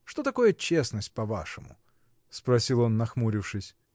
Что такое честность, по-вашему? — спросил он, нахмурившись.